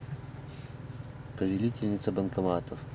повелительница банкоматов